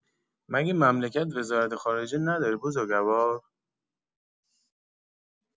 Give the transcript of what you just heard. مگه مملکت وزارت‌خارجه نداره بزرگوار؟